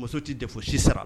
Muso tɛ de fosi sara